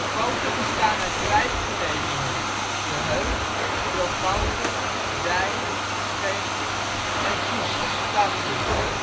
poten bestaan uit vijf geledingen; de heup, trochanter, dij, scheen en voet of tarsus